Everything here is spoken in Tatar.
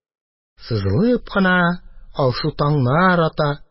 Сызылып кына алсу таңнар ата,